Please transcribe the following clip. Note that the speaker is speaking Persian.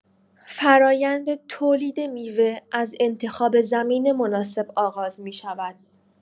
فرایند تولید میوه از انتخاب زمین مناسب آغاز می‌شود.